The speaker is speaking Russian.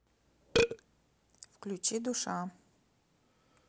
включи душа